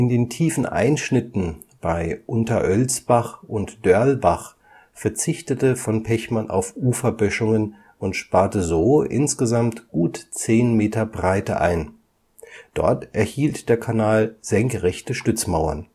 In den tiefen Einschnitten bei Unterölsbach und Dörlbach verzichtete von Pechmann auf Uferböschungen und sparte so insgesamt gut 10 m Breite ein. Dort erhielt der Kanal senkrechte Stützmauern